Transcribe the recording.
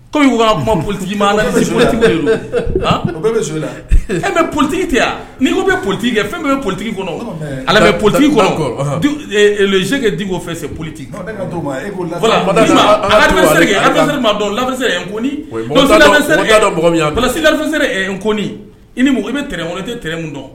Ko'a politigi matigi bɛ politigi tɛ yan ni ko bɛ politigikɛ fɛn bɛ politigi kɔnɔ ale bɛ politigi seeke di o fɛolitigise dɔn la mɔgɔ n i ni i bɛ trɛn tɛ tkun dɔn